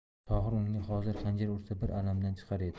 tohir unga hozir xanjar ursa bir alamdan chiqar edi